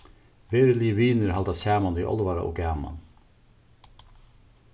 veruligir vinir halda saman í álvara og gaman